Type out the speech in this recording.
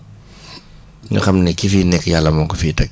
ñu xam ne ki fiy nekk yàlla moo ko fiy teg